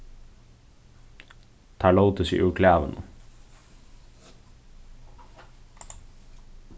teir lótu seg úr klæðunum